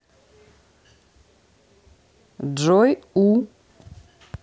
джой у